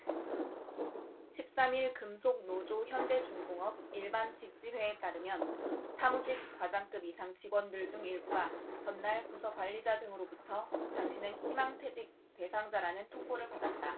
십 삼 일 금속노조 현대중공업 일반직지회에 따르면 사무직 과장급 이상 직원들 중 일부가 전날 부서 관리자 등으로부터 당신은 희망퇴직 대상자라는 통보를 받았다